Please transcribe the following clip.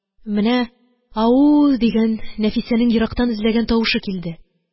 Менә «а-ау!» дигән Нәфисәнең ерактан эзләгән тавышы килде.